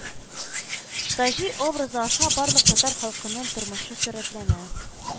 Таҗи образы аша барлык татар халкының тормышы сурәтләнә